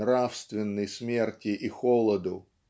нравственной смерти и холоду.